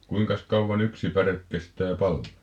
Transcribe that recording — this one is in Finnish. kuinkas kauan yksi päre kestää palaa